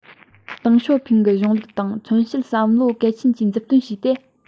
ཏིང ཞའོ ཕིང གི གཞུང ལུགས དང མཚོན བྱེད གསུམ གྱི བསམ བློ གལ ཆེན གྱིས མཛུབ སྟོན བྱས ཏེ